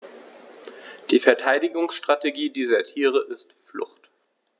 Die Verteidigungsstrategie dieser Tiere ist Flucht.